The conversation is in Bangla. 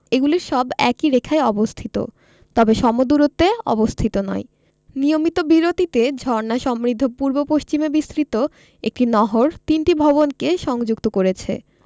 এগুলির সব একই রেখায় অবস্থিত তবে সম দূরত্বে অবস্থিত নয় নিয়মিত বিরতিতে ঝর্ণা সমৃদ্ধ পূর্ব পশ্চিমে বিস্তৃত একটি নহর তিনটি ভবনকে সংযুক্ত করেছে